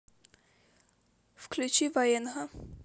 включи ваенга